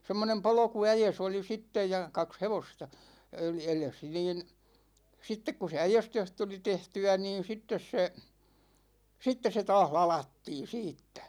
semmoinen polkuäes oli sitten ja kaksi hevosta edessä niin sitten kun se äestys tuli tehtyä niin sitten se sitten se taas ladattiin siitä